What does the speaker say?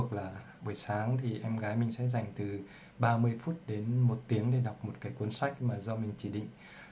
mình bắt buộc buổi sáng em gái sẽ dành p tiếng để đọc những cuốn sách do mình chỉ định